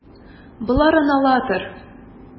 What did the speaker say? Боларын ала тор.